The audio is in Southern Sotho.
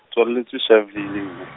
tswaletswe Sharpeville mme.